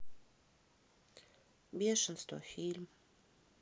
бешенство фильм